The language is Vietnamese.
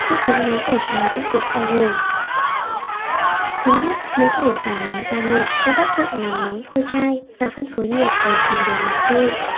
hệ thống máy thổi chai bắt buộc bao gồm thứ nhất máy thổi và máy gia nhiệt có tác dụng làm nóng phôi chai và phân phối nhiệt đều trên bề mặt phôi